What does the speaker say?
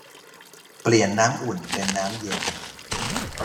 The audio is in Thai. เปลี่ยนน้ำอุ่นเป็นน้ำเย็น